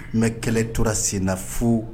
N bɛ kɛlɛ tora sen na fo